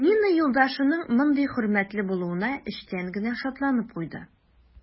Нина юлдашының мондый хөрмәтле булуына эчтән генә шатланып куйды.